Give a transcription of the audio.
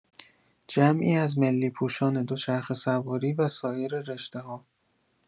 جمعی از ملی‌پوشان دوچرخه‌سواری و سایر رشته‌ها